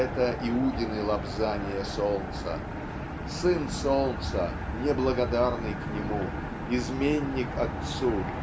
это -- Иудины лобзания солнца. Сын солнца неблагодарный к нему изменник отцу